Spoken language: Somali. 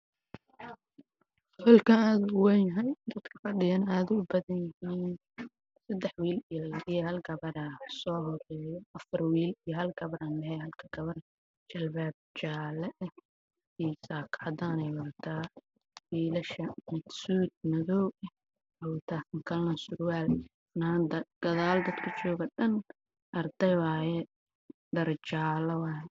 Waa dad aada u fara badan oo meel hoolo